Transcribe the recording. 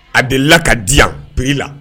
A de la ka di yan b i la